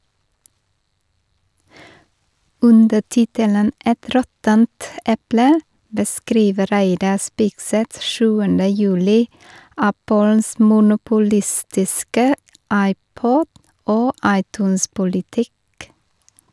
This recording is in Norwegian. Under tittelen «Et råttent eple» beskriver Reidar Spigseth 7. juli Apples monopolistiske iPod- og iTunes-politikk.